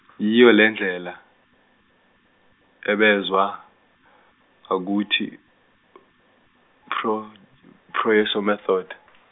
yiyo lendlela, ebizwa ngakuthi, Proy- Proyso- method.